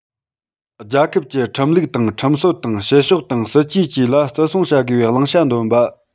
རྒྱལ ཁབ ཀྱི ཁྲིམས ལུགས དང ཁྲིམས སྲོལ དང བྱེད ཕྱོགས དང སྲིད ཇུས བཅས ལ བརྩི སྲུང བྱ དགོས པའི བླང བྱ བཏོན པ